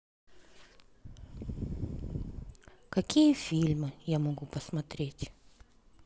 какие фильмы я могу смотреть